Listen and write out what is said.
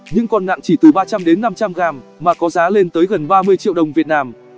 những con nặng chỉ từ g g mà có giá lên tới gần triệu đồng việt nam